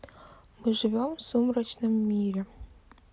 мы живем в сумрачном мире